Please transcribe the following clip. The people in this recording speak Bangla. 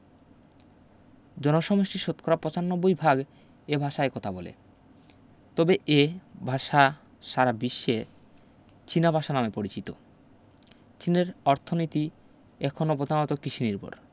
জনসমষ্টির শতকরা ৯৫ ভাগ এ ভাষায় কথা বলে তবে এ ভাষা সারা বিশ্বে চীনা ভাষা নামে পরিচিত চীনের অর্থনীতি এখনো পধানত কিষিনির্ভর